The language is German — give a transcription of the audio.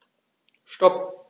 Stop.